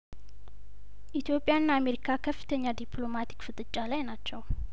ኢትዮጵያና አሜሪካ ከፍተኛ ዲፕሎማቲክ ፍጥጫ ላይ ናቸው